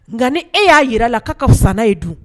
Nga ni e ya yira a la ka ka fisa na ye dun?